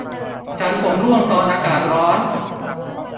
ฉันผมร่วงตอนอากาศร้อน